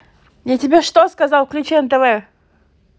я тебе что сказал включи нтв